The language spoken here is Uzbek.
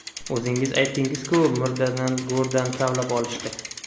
o'zingiz aytdingiz ku murdani go'rdan kavlab olish da